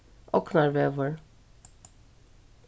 ognarvegur